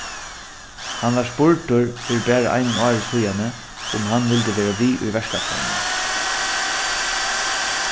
hann varð spurdur fyri bara einum ári síðani um hann vildi vera við í verkætlanini